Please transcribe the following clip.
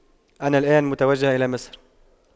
أنا الآن متوجه إلى مصر